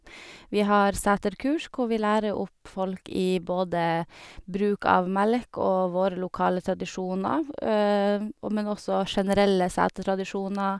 Vi har seterkurs hvor vi lærer opp folk i både bruk av melk og våre lokale tradisjoner og Men også generelle setertradisjoner.